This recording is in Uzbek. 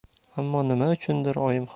ammo nima uchundir